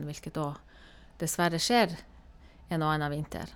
Hvilket óg dessverre skjer en og anna vinter.